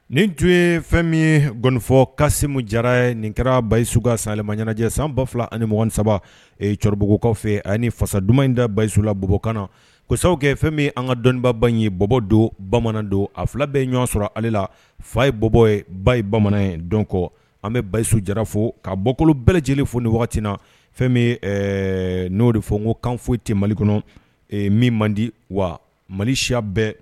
Nin tun ye fɛn min ye gfɔ ka se jara nin kɛra basiyi suka sanlilima ɲ san ba fila ani m2 saba cɛkɔrɔbabugukaw fɛ ani fasa duman in da basisula bubɔkan na kosa kɛ fɛn min an ka dɔnniibaba in ye bɔbɔ don bamanan don a fila bɛ ɲɔgɔn sɔrɔ ale la fa ye bɔbɔ ye ba ye bamanan ye dɔn kɔ an bɛ basisu jara fo ka bɔkolo bɛɛ lajɛlenele fo ni wagati na fɛn n'o de fɔ n ko kan foyi te mali kɔnɔ min man di wa mali siya bɛɛ